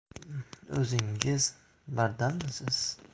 o'zingiz bardammisiz